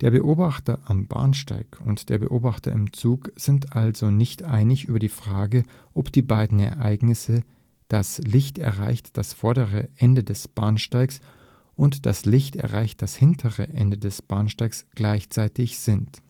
Beobachter am Bahnsteig und der Beobachter im Zug sind sich also nicht einig über die Frage, ob die beiden Ereignisse „ das Licht erreicht das vordere Ende des Bahnsteigs “und „ das Licht erreicht das hintere Ende des Bahnsteigs “gleichzeitig sind